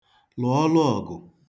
lụọlụ ọgụ